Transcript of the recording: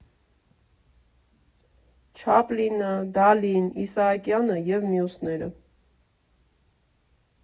Չապլինը, Դալին, Իսահակյանը և մյուսները։